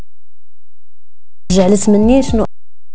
زعلت مني